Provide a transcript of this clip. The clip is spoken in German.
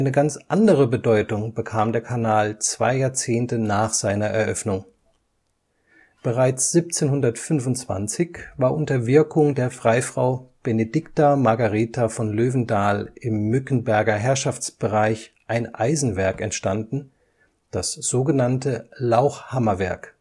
ganz andere Bedeutung bekam der Kanal zwei Jahrzehnte nach seiner Eröffnung. Bereits 1725 war unter Wirkung der Freifrau Benedicta Margareta von Löwendal im Mückenberger Herrschaftsbereich ein Eisenwerk entstanden, das sogenannte Lauchhammerwerk